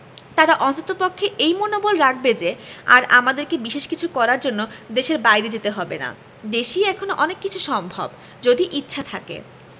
তারা অন্ততপক্ষে এই মনোবল রাখবে যে আর আমাদেরকে বিশেষ কিছু করার জন্য দেশের বাইরে যেতে হবে না দেশেই এখন অনেক কিছু সম্ভব যদি ইচ্ছা থাকে